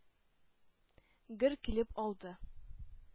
Гөр килеп алды.